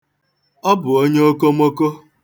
Ị bụ onye okomoko?